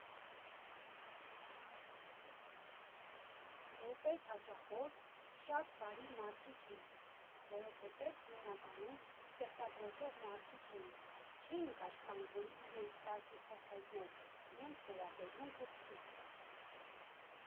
Որպես հաճախորդ՝ շատ բարդ մարդիկ էին, որովհետև հիմնականում ստեղծագործող մարդիկ էին, չէին կաշկանդվում իրենց կարծիքը հայտնել, իրենց վերաբերմունքը ցույց տալ։